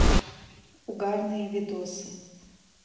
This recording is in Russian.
угарные видосы